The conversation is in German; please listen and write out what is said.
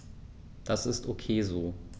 Das ist ok so.